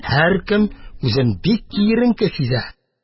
Һәркем үзен бик киеренке сизә.